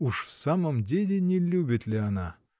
Уж в самом деле не любит ли она?